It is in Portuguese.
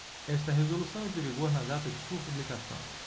esta resolução entra em vigor na data de sua publicação